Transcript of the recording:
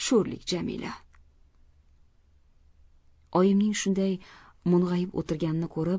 sho'rlik jamila oyimning shunday mung'ayib o'tirganini ko'rib